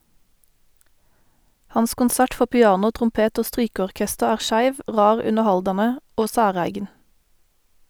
Hans konsert for piano, trompet og strykeorkester er skeiv, rar, underhaldande og særeigen.